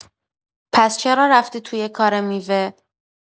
پس چرا رفتی توی کار میوه؟